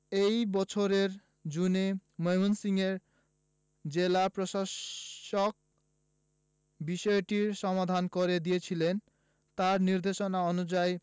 এ বছরের জুনে ময়মনসিংহের জেলা প্রশাসক বিষয়টির সমাধান করে দিয়েছিলেন তাঁর নির্দেশনা অনুযায়ী